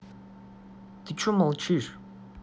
ты че молчишь